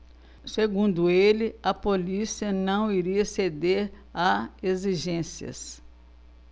segundo ele a polícia não iria ceder a exigências